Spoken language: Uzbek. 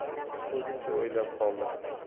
o'zimcha o'ylab qoldim